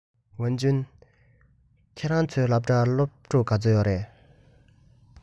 ཝུན ཅུན ཁྱོད རང ཚོའི སློབ གྲྭར སློབ ཕྲུག ག ཚོད ཡོད རེད